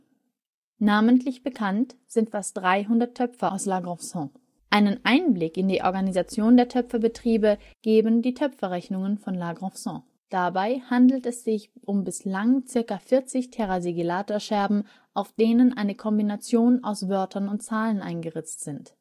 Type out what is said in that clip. Namentlich bekannt sind fast 300 Töpfer aus La Graufesenque. Einen Einblick in die Organisation der Töpferbetriebe geben die Töpferrechnungen von La Graufesenque. Dabei handelt es sich um bislang ca. 40 TS-Scherben, auf denen eine Kombination aus Wörtern und Zahlen eingeritzt sind